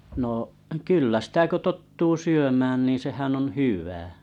no kyllä sitä kun tottuu syömään niin sehän on hyvä